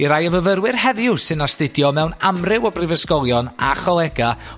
i rai o fyfyrwyr heddiw sy'n astudio mewn amryw o brifysgolion a cholega